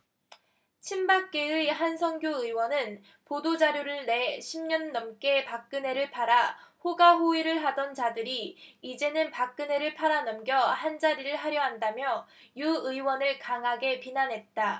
친박계의 한선교 의원은 보도 자료를 내 십 년 넘게 박근혜를 팔아 호가호위를 하던 자들이 이제는 박근혜를 팔아넘겨 한자리를 하려 한다며 유 의원을 강하게 비난했다